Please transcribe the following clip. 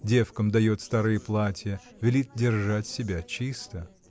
Девкам дает старые платья, велит держать себя чисто.